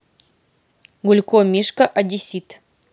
гулько мишка одессит